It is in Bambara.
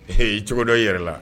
Ee cogo dɔ yɛrɛ la